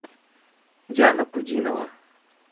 диана кудинова